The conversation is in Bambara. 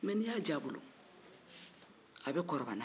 mɛ n'i y'a diy'a bolo a bɛ kɔrɔbaya n'a ye